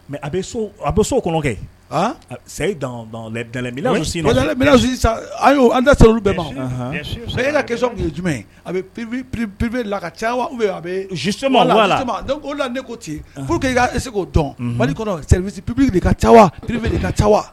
Mɛ a bɛ so kɔnɔkɛyi an sa olu bɛɛ ma e ka ke jumɛn apbi la ka ca a bɛma la o la ko cise k'o dɔn mali kɔnɔ ppibi i ka taa pp i ka taa